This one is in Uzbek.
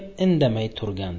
indamay turgandi